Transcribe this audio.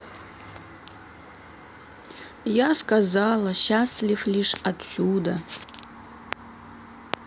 я сказала счастлив лишь отсюда